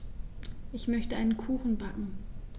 Ich möchte einen Kuchen backen.